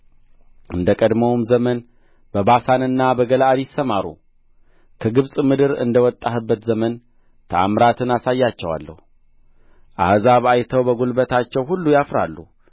እንደ ቀደመውም ዘመን በበሳንና በገለዓድ ይሰማሩ ከግብጽ ምድር እንደ ወጣህበት ዘመን ተአምራትን አሳያቸዋለሁ አሕዛብ አይተው በጕልበታቸው ሁሉ ያፍራሉ